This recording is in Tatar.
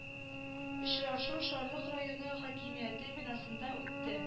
Очрашу шарлык районы хакимияте бинасында үтте